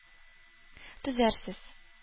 Төзәрсез